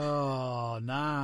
O, na!